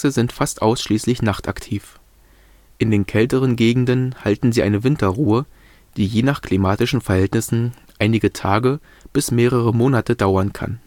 sind fast ausschließlich nachtaktiv. In den kälteren Gegenden halten sie eine Winterruhe, die je nach klimatischen Verhältnissen einige Tage bis mehrere Monate dauern kann